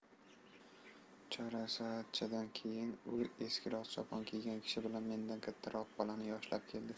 chorak soatchadan keyin u eskiroq chopon kiygan kishi bilan mendan kattaroq bolani boshlab keldi